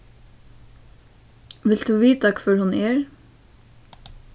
vilt tú vita hvør hon er